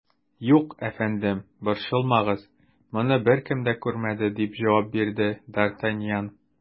Юк, әфәндем, борчылмагыз, моны беркем дә күрмәде, - дип җавап бирде д ’ Артаньян.